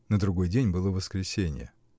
(На другой день было воскресенье.